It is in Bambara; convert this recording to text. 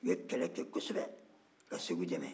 u ye kɛlɛ kɛ kosɛbɛ ka segu dɛmɛ